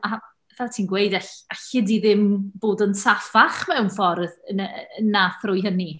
A fel ti'n gweud, all- alli di ddim bod yn saffach mewn ffordd na na thrwy hynny.